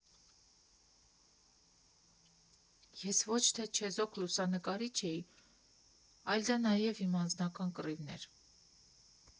Ես ոչ թե չեզոք լուսանկարիչ էի, այլ դա նաև իմ անձնական կռիվն էր։